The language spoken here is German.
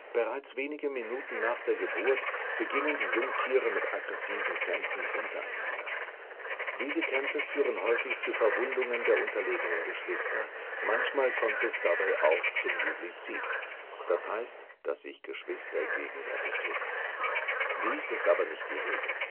Bereits wenige Minuten nach der Geburt beginnen die Jungtiere mit aggressiven Kämpfen untereinander. Diese Kämpfe führen häufig zu Verwundungen der unterlegenen Geschwister, manchmal kommt es dabei auch zum Siblizid – das heißt, dass sich Geschwister gegenseitig töten. Dies ist aber nicht die Regel